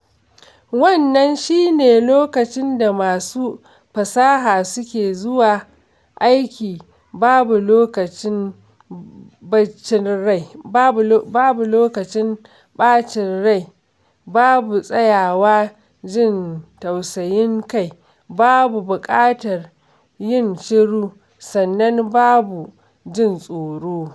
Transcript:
Wannan shi ne lokacin da masu fasaha suke zuwa aiki. Babu lokacin ɓacin rai, babu tsayawa jin tausayin kai, babu buƙatar yin shiru, sannan babu jin tsoro.